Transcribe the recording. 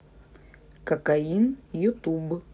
кокаин ютуб